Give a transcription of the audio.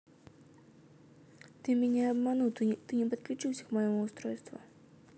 ты меня обманул ты не подключился к моему устройству